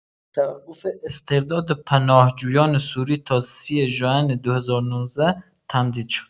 توقف استرداد پناهجویان سوری تا ۳۰ ژوئن ۲۰۱۹ تمدید شد.